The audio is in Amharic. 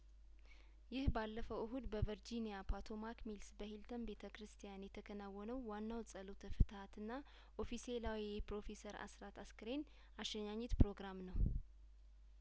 ይህ ባለፈው እሁድ በቨርጂኒያ ፓቶማክ ሚልስ በኂይልተን ቤተክርስቲያን የተከናወነው ዋናው ጸሎተ ፍትሀትና ኦፊሴላዊ የፕሮፌሰር አስራት አስከሬን አሸኛኘት ፕሮግራም ነው